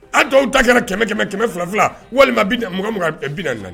A dɔw ta kɛra kɛmɛ kɛmɛ kɛmɛ fila fila walima mɔgɔ bi kan